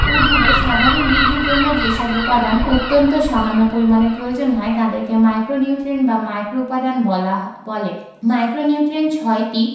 ২ micronutrient বা মাইক্রোউপাদান উদ্ভিদের স্বাভাবিক বৃদ্ধির জন্য যেসব উপাদান অত্যন্ত সামান্য পরিমাণে প্রয়োজন হয় তাদেরকে মাইক্রোনিউট্রিয়েন্ট বা মাইক্রোউপাদান বলে মাইক্রোনিউট্রিয়েন্ট ৬টি